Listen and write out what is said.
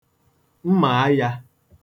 mmàayā